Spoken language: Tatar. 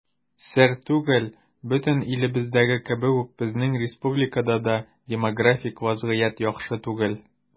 Сер түгел, бөтен илебездәге кебек үк безнең республикада да демографик вазгыять яхшы түгел.